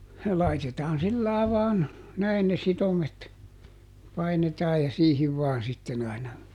laitetaan sillä lailla vain näin ne sitomet painetaan ja siihen vain sitten aina